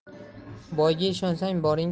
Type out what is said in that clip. boyga ishonsang boring